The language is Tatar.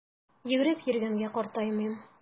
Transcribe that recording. Йөгереп йөргәнгә картаймыйм!